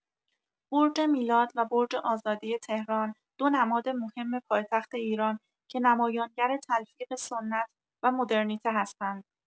برج میلاد و برج آزادی تهران، دو نماد مهم پایتخت ایران که نمایانگر تلفیق سنت و مدرنیته هستند.